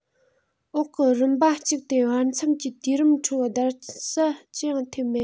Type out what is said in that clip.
འོག གི རིམ པ གཅིག དེ བར མཚམས ཀྱི དུས རིམ ཁྲོད བརྡར ཟད ཅི ཡང ཐེབས མེད